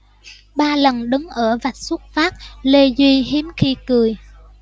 ba lần đứng ở vạch xuất phát lê duy hiếm khi cười